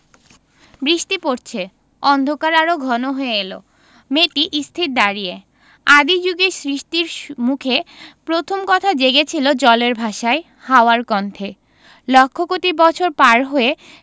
বৃষ্টি পরছে অন্ধকার আরো ঘন হয়ে এল মেয়েটি স্থির দাঁড়িয়ে আদি জুগে সৃষ্টির মুখে প্রথম কথা জেগেছিল জলের ভাষায় হাওয়ার কণ্ঠে লক্ষ কোটি বছর পার হয়ে